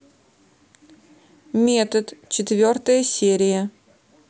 метод четвертая серия